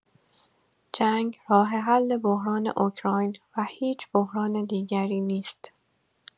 جنگ راه‌حل بحران اوکراین و هیچ بحران دیگری نیست.